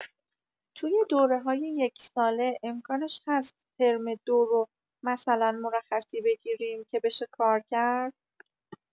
توی دوره‌های یک‌ساله امکانش هست ترم ۲ رو مثلا مرخصی بگیریم که بشه کار کرد؟